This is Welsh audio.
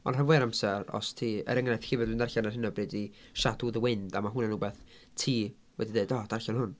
Ond rhan fwya o'r amser, os ti... er enghraifft, llyfr dwi'n darllen ar hyn o bryd ydy Shadow of the Wind a mae hwnna'n wbath ti wedi deud "O darllen hwn".